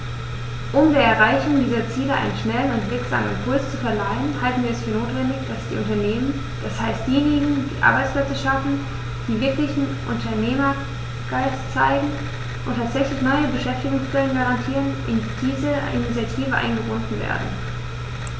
Um der Erreichung dieser Ziele einen schnellen und wirksamen Impuls zu verleihen, halten wir es für notwendig, dass die Unternehmer, das heißt diejenigen, die Arbeitsplätze schaffen, die wirklichen Unternehmergeist zeigen und tatsächlich neue Beschäftigungsquellen garantieren, in diese Initiative eingebunden werden.